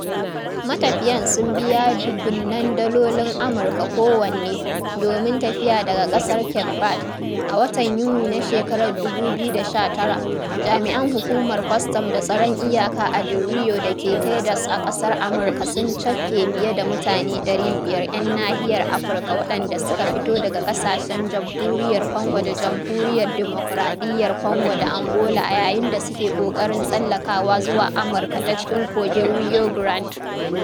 Matafiyan sun biya "dubunnan dalolin Amurka kowanne" domin tafiya daga ƙasar Cape ɓerde. A watan Yuni na shekarar 2019, jami'an Hukumar Kwastam da Tsaron Iyaka a Del Rio da ke Teɗas a ƙasar Amurka sun cafke fiye da mutane 500 'yan nahiyar Afirka waɗanda suka fito daga ƙasashen Jamhuriyar Kongo da Jamhuriyar Dimukraɗiyyar Kongo da Angola a yayin da suke ƙoƙarin tsallakawa zuwa Amurka ta cikin Kogin Rio Grande.